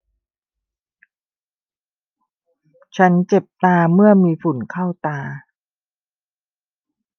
ฉันเจ็บตาเมื่อมีฝุ่นเข้าตา